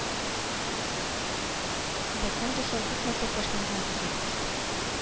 Безнең дуслык бик матур башланган иде бит